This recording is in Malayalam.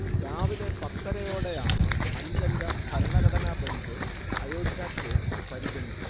രാവിലെ പത്തരയോടെയാണ് അഞ്ചംഗ ഭരണഘടനാ ബഞ്ച് അയോധ്യ കേസ് പരിഗണിച്ചത്